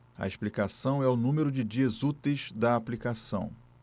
a explicação é o número de dias úteis da aplicação